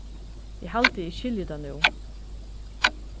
eg haldi eg skilji tað nú